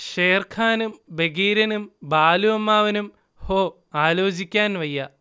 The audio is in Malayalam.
ഷേർഖാനും ബഗീരനും ബാലു അമ്മാവനും ഹോ ആലോചിക്കാൻ വയ്യ